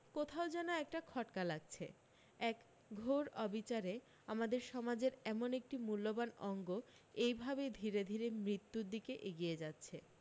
কোথাও যেন একটা খটকা লাগছে এক ঘোর অবিচারে আমাদের সমাজের এমন একটি মূল্যবান অঙ্গ এইভাবে ধীরে ধীরে মৃত্যুর দিকে এগিয়ে যাচ্ছে